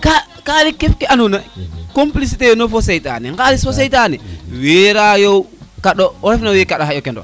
ka ka ref ref ke ando na compliciter yo fo seytane ŋalis fo seytani warayo kaɗo oxu ref na waxey kaɗo o kendof